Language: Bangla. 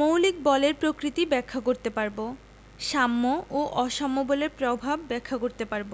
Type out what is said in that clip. মৌলিক বলের প্রকৃতি ব্যাখ্যা করতে পারব সাম্য ও অসাম্য বলের প্রভাব ব্যাখ্যা করতে পারব